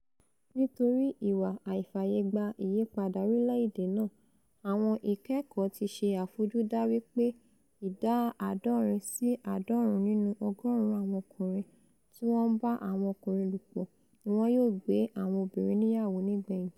nítorí ìwà àifààyègba-ìyípadà orílẹ̀-èdè náà, àwọn ìkẹ́kọ̀ọ́ ti ṣe àfojúda wí pé ìdà àádọrin sí àádọ́ọ̀rún nínú ọgọ́ọ̀rún àwọn ọkùnrin tí wọ́n ńbá àwọn ọkùnrin lòpọ̀ ni wọn yóò gbé àwọn obìnrin níyàwo nígbẹ̀yìn.